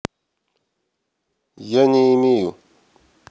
я не имею